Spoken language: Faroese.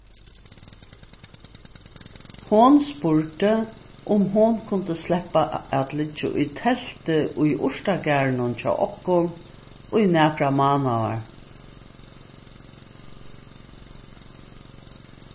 hon spurdi um hon kundi sleppa at liggja í telti í urtagarðinum hjá okkum í nakrar mánaðar